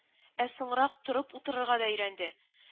Ә соңрак торып утырырга да өйрәнде